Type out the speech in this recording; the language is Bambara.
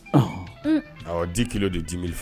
Di kelen de dili fɛ